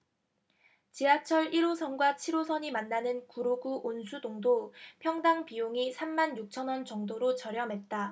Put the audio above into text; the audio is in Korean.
지하철 일 호선과 칠 호선이 만나는 구로구 온수동도 평당 비용이 삼 만 육천 원 정도로 저렴했다